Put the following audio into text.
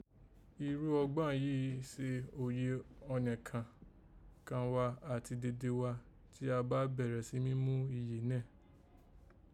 Irú ọgbán yìí éè se òye ọnẹ kọ́ọ̀kàn ghá àti dede gha jí a bá bẹ̀rẹ̀ sí mí mú ìyè nẹ́ẹ̀